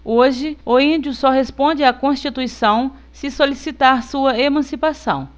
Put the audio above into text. hoje o índio só responde à constituição se solicitar sua emancipação